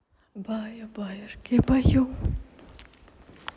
баю баюшки баю